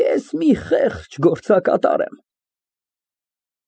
Ես մի խեղճ գործակատար եմ։